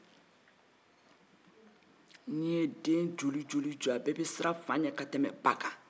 den tila bɛɛ bɛ siran fa ɲɛ ka tɛmɛ ba kan